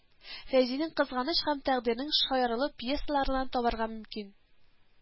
Фәйзинең Кызганыч һәм Тәкъдирнең шаяруы пьесаларыннан табарга мөмкин